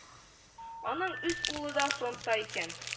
Аның үз улы да фронтта икән